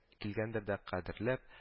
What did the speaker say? Килгәндер дә кадерләп